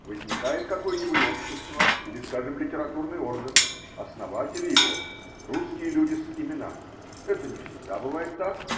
– Возникает какое-нибудь общество или, скажем, литературный орган: основатели его – русские люди с именами. (Это не всегда бывает так.